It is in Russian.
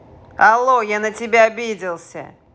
алло я на тебя обиделся